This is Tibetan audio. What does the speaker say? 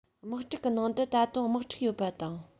དམག འཁྲུག གི ནང དུ ད དུང དམག འཁྲུག ཡོད པ དང